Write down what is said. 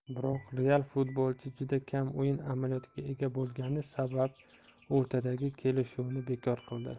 biroq real futbolchi juda kam o'yin amaliyotiga ega bo'lgani sabab o'rtadagi kelishuvni bekor qildi